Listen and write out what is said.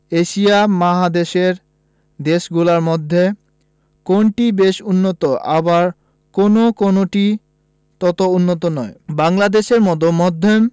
Asia মহাদেশের দেশগুলোর মধ্যে কোনটি বেশ উন্নত আবার কোনো কোনোটি তত উন্নত নয় বাংলাদেশের মতো মধ্যম